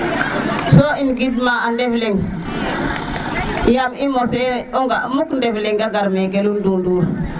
so im gid ma a ndefleng yaam i moso o ga muk ndefleng a gar mene lulu ndundur